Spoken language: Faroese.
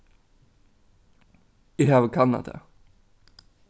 eg havi kannað tað